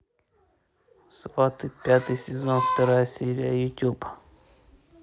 сваты пятый сезон вторая серия ютуб